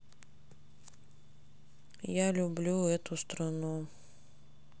я люблю эту страну